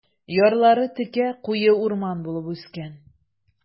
Ярлары текә, куе урман булып үскән.